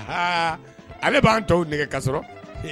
Ale b'an tɔw nɛgɛ kasɔrɔ